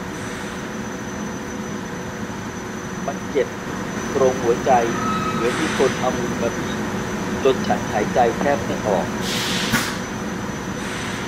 มันเจ็บตรงหัวใจเหมือนมีคนเอามือมาบีบจนฉันหายใจแทบไม่ออก